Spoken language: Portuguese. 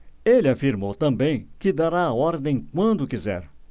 ele afirmou também que dará a ordem quando quiser